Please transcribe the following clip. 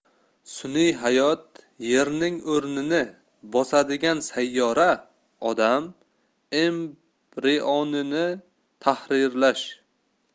sun'iy hayot yerning o'rnini bosadigan sayyora odam embrionini tahrirlash